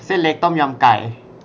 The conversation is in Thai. เส้นเล็กต้มยำไก่